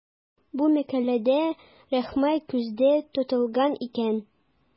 Бу мәкаләдә Рахмай күздә тотылган икән.